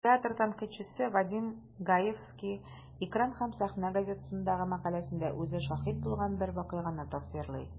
Театр тәнкыйтьчесе Вадим Гаевский "Экран һәм сәхнә" газетасындагы мәкаләсендә үзе шаһит булган бер вакыйганы тасвирлый.